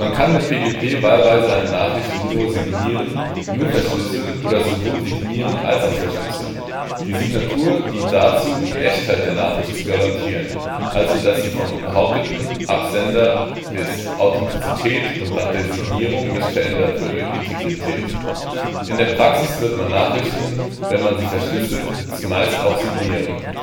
kann mit PGP wahlweise eine Nachricht nur signieren, nur verschlüsseln oder sowohl signieren als auch verschlüsseln. Die Signatur dient dazu, die Echtheit der Nachricht zu garantieren, also dass sie vom behaupteten Absender ist (Authentizität) und nach der Signierung nicht verändert wurde (Integrität). In der Praxis wird man Nachrichten, wenn man sie verschlüsselt, zumeist auch signieren